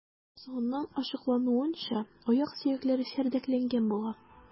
Соңыннан ачыклануынча, аяк сөякләре чәрдәкләнгән була.